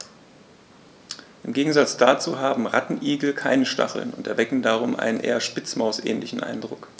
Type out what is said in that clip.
Im Gegensatz dazu haben Rattenigel keine Stacheln und erwecken darum einen eher Spitzmaus-ähnlichen Eindruck.